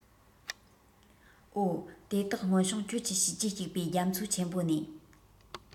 འོ དེ དག སྔོན བྱུང ཁྱོད ཀྱི བྱས རྗེས སྐྱུག པའི རྒྱ མཚོ ཆེན པོ ནས